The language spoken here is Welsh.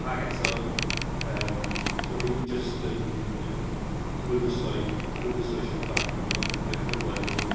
Ac eto yym timod dim jyst yn yn hwyluso eu hwyluso eu siopa nhw, ond yn rhoid y cyfle iddyn nhw.